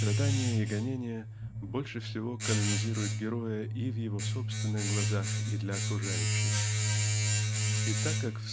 страдания и гонения больше всего канонизируют героя и в его собственных глазах и для окружающих. И так как